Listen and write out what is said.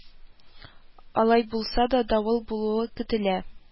Алай булса да, давыл булуы көтелә